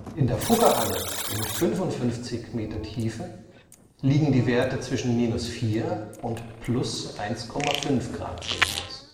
In der Fuggerhalle, in 55 Meter Tiefe, liegen die Werte zwischen -4 und +1,5 Grad Celsius